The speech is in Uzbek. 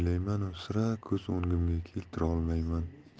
o'ylaymanu sira ko'z o'ngimga keltirolmayman